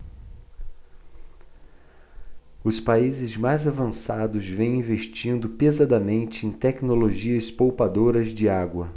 os países mais avançados vêm investindo pesadamente em tecnologias poupadoras de água